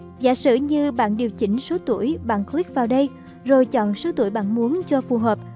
giả sử như bạn điều chỉnh số tuổi bạn click vào đây rồi chọn số tuổi bạn muốn cho phù hợp